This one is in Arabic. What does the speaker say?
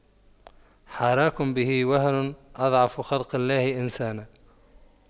حراك به وهن أضعف خلق الله إنسانا